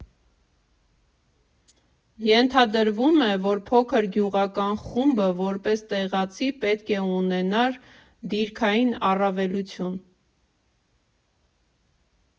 Ենթադրվում է, որ փոքր գյուղական խումբը՝ որպես տեղացի, պետք է ունենար դիրքային առավելություն։